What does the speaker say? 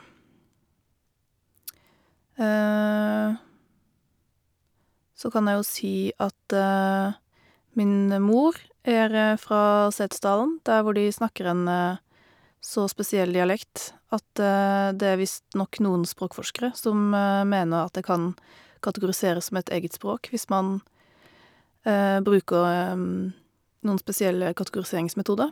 Så kan jeg jo si at min mor er fra Setesdalen, der hvor de snakker en så spesiell dialekt at det er visst nok noen språkforskere som mener at det kan kategoriseres som et eget språk hvis man bruker noen spesielle kategoriseringsmetoder.